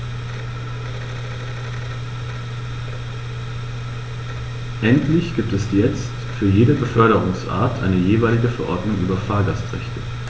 Endlich gibt es jetzt für jede Beförderungsart eine jeweilige Verordnung über Fahrgastrechte.